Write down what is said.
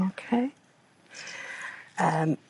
Oce? Yym